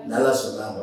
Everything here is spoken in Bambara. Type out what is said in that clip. N sɔnna